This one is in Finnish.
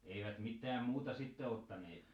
eivät mitään muuta sitten ottaneet